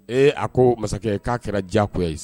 Ee a ko masakɛ k'a kɛra diyago ye